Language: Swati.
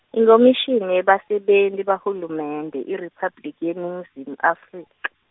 IKhomishini yebaSebenti baHulumende IRiphabliki yeNingizimu Afrika.